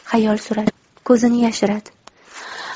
xayol suradi ko'zini yashiradi